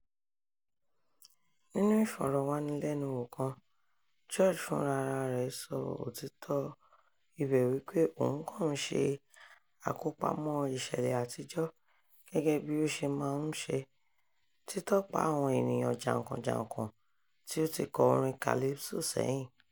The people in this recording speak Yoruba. Nínú ìfọ̀rọ̀wánilẹ́nuwò kan, George fúnra rẹ̀ sọ òtítọ́ ibẹ̀ wípé òun kàn ń "ṣe àkópamọ́ ìṣẹ̀lẹ̀ àtijọ́ " gẹ́gẹ́ "bí ó ṣe máa ń ṣe", títọpa àwọn ènìyàn jàǹkàn-jàǹkàn tí ó ti kọ orin calypso sẹ́yìn.